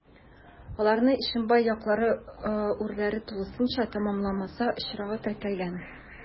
Аларны Ишембай яклары урләре тулысынча тәмамланмаса очрагы теркәлгән.